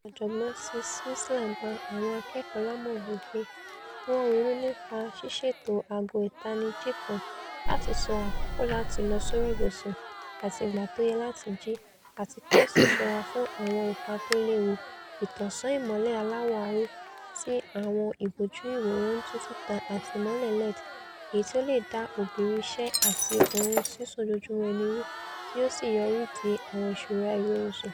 Ọ̀jọ̀gbọ́n Czeisler gba àwọn akẹ́kọ̀ọ́ lámọ̀ràn wí pé ki wọ́n ronú nipa ṣíṣètò aago ìtanijí kan láti sọ àkókò láti lọ sórí ibùsùn, àti ìgbà tóyẹ láti jí, àti kí wọn sì sọ́ra fun àwọn ipa tóléwuto 'ìtànsán ìmọlẹ̀ aláwọ̀ aró' tí àwọn ìbòjù ìwòran ńtú síta àti ìmọ́lẹ̀ LED, èyití o leè da òbìrí iṣẹ́ àti oorun sísùn ojoójúmọ ẹni ru, tí yóò sì yọrídí àwọn ìṣòro àìrí-oorun sùn.